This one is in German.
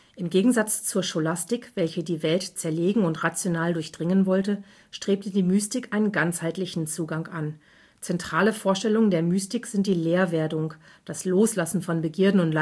Im Gegensatz zur Scholastik, welche die Welt zerlegen und rational durchdringen wollte, strebte die Mystik einen ganzheitlichen Zugang an. Zentrale Vorstellungen der Mystik sind die Leerwerdung, das Loslassen von Begierden